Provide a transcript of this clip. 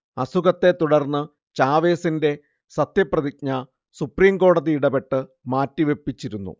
അസുഖത്തെ തുടർന്ന് ചാവെസിന്റെ സത്യപ്രതിജ്ഞ സുപ്രീം കോടതി ഇടപെട്ട് മാറ്റിവെപ്പിച്ചിരുന്നു